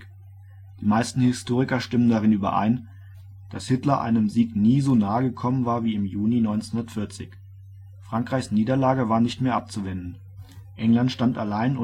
meisten Historiker stimmen darin überein, dass Hitler einem Sieg nie so nahe gekommen war wie im Juni 1940: Frankreichs Niederlage war nicht mehr abzuwenden; England stand allein